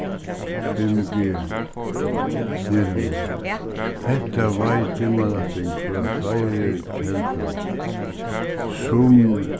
5g netinum hetta veit dimmalætting frá fleiri keldum sum